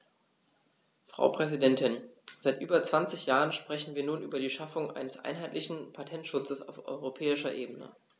Frau Präsidentin, seit über 20 Jahren sprechen wir nun über die Schaffung eines einheitlichen Patentschutzes auf europäischer Ebene.